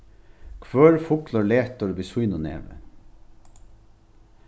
hvør fuglur letur við sínum nevi